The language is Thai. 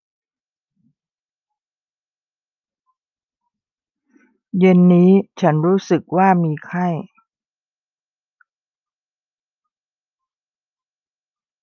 เย็นนี้ฉันรู้สึกว่ามีไข้